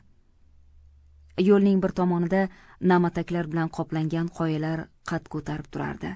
yo'lning bir tomonida na'matakiar bilan qoplangan qoyalar qad ko'tarib turardi